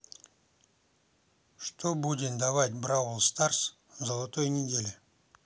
что будет давать бравл старс золотой недели